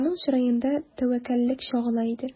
Аның чыраенда тәвәккәллек чагыла иде.